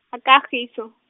a Kagiso.